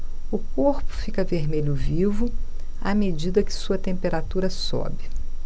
o corpo fica vermelho vivo à medida que sua temperatura sobe